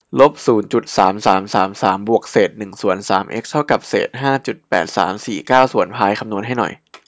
ลบศูนย์จุดสามสามสามสามบวกเศษหนึ่งส่วนสามเอ็กซ์เท่ากับเศษห้าจุดแปดสามสี่เก้าส่วนพายคำนวณให้หน่อย